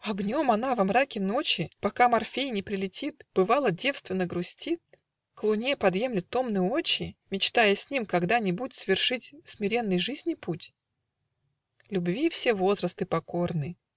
Об нем она во мраке ночи, Пока Морфей не прилетит, Бывало, девственно грустит, К луне подъемлет томны очи, Мечтая с ним когда-нибудь Свершить смиренный жизни путь! Любви все возрасты покорны